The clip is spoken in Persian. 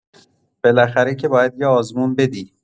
بالاخره که باید یه آزمون بدی